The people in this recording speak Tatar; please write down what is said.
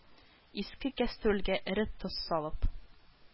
Иске кәстрүлгә эре тоз салып